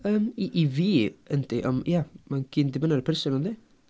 Yym, i i fi, yndi ond ia mae o gyd yn dibynnu ar y person yndi?